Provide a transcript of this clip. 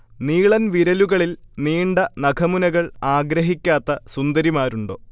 നീളൻ വിരലുകളിൽ നീണ്ട നഖമുനകൾ ആഗ്രഹിക്കാത്ത സുന്ദരിമാരുണ്ടോ